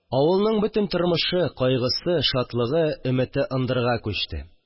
Авылның бөтен тормышы, кайгысы, шатлыгы, өмете ындырга күчте